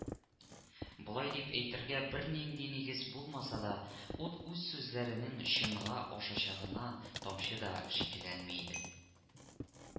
Болай дип әйтергә бернинди нигез булмаса да ут үз сүзләренең чынга ашачагына тамчы да шикләнми иде